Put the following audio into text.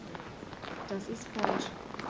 Das ist falsch.